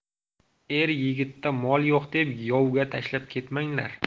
er yigitda mol yo'q deb yovga tashlab ketmanglar